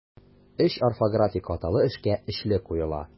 Өч орфографик хаталы эшкә өчле куела.